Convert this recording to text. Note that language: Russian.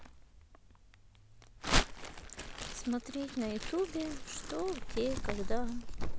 смотреть на ютубе что где когда